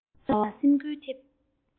ཟླ བ ལ སེམས འགུལ ཐེབས